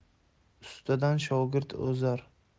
ustadan shogird o'zar